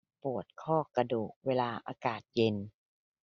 ปวดข้อกระดูกเวลาอากาศเย็น